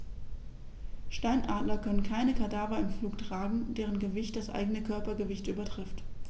Steinadler können keine Kadaver im Flug tragen, deren Gewicht das eigene Körpergewicht übertrifft.